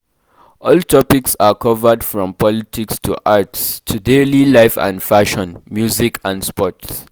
All topics are covered from politics to arts, to daily life and fashion, music and sports.